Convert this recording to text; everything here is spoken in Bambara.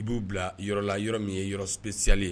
I b'u bila yɔrɔ la yɔrɔ min ye yɔrɔ spécial ye